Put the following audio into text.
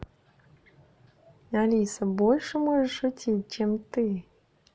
алиса больше можешь шутить чем ты